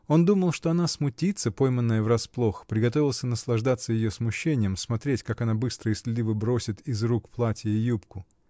Он думал, что она смутится, пойманная врасплох, приготовился наслаждаться ее смущением, смотреть, как она быстро и стыдливо бросит из рук платье и юбку.